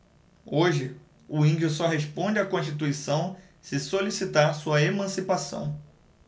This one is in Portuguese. hoje o índio só responde à constituição se solicitar sua emancipação